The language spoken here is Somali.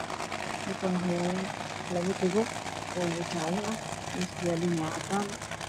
Halkaan waxaa yaalo labo dhago oo jaale ah meesha ay yaaliin waa cadaan.